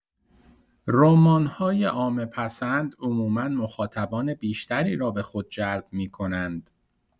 رمان‌های عامه‌پسند عموما مخاطبان بیشتری را به خود جلب می‌کنند.